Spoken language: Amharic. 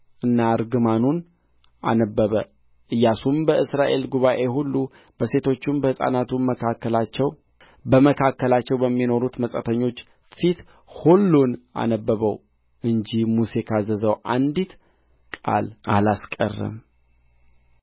እና እርግማኑን አነበበ ኢያሱም በእስራኤል ጉባኤ ሁሉ በሴቶቹም በሕፃናቱም በመካከላቸውም በሚኖሩት መጻተኞች ፊት ሁሉን አነበበ እንጂ ሙሴ ካዘዘው አንዲት ቃል አላስቀረም